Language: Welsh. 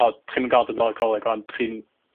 o, 'dych chi'm yn ga'l dod nôl i coleg 'wan. 'Dych chi'n